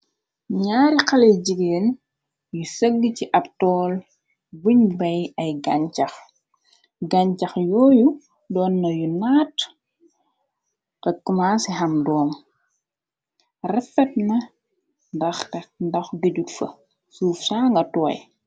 Nyaari xale yu jigeen yu sëgg ci ab tool buñ bay ay gancax gañcax yooyu doon na yu naat cham doom refetna ndaxte ndax gejut fa suuf sa nga tooy.